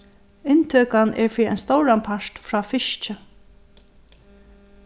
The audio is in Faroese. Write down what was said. inntøkan er fyri ein stóran part frá fiski